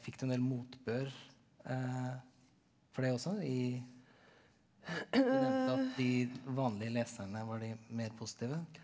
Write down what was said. fikk du en del motbør for det også i du nevnte at de vanlige leserne var de mer positive.